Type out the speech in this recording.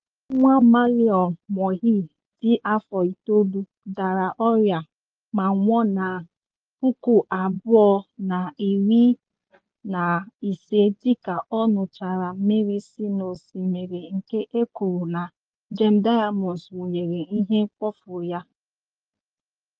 Nwa nwa Malineo Moahi dị afọ itoolu dara ọrịa ma nwụọ na 2015 dịka ọ ṅụchara mmiri si n'osimiri nke e kwuru na Gem Diamonds wụnyere ihe mkpofu ya.